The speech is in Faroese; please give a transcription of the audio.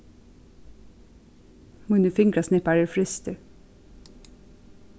mínir fingrasnippar eru frystir